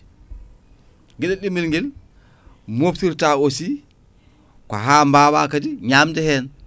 gueɗel ɗimmel nguel moftirta aussi ko ha mbawa kadi ñamde hen